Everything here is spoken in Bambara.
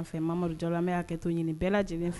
Fɛ Mamadu Jalo an bɛ hakɛto ɲini bɛɛ lajɛlen f